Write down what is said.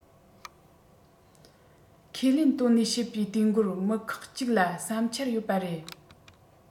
ཁས ལེན བཏོན ནས བྱེད པའི དུས འགོར མི ཁག གཅིག ལ བསམ འཆར ཡོད པ རེད